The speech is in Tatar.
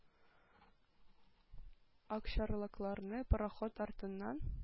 Акчарлакларны пароход артыннан